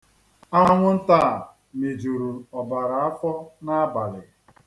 Anwụnta a mịjuru ọbara afọ n'abalị.